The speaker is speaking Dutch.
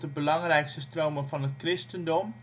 belangrijkste stromen van het christendom